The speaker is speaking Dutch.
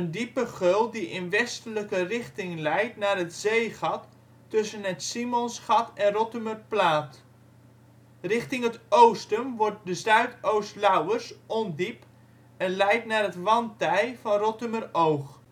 diepe geul die in westelijke richting leidt naar het zeegat tussen het Simonszand en Rottumerplaat. Richting het oosten wordt de Zuid-Oost Lauwers ondiep en leidt naar het wantij van Rottumeroog